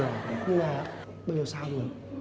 nhưng mà bây giờ sao giờ